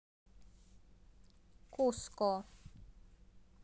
куско